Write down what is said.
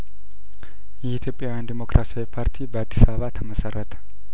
የኢትዮጵያውያን ዲሞክራሲያዊ ፓርቲ በአዲስ አባ ተመሰረተ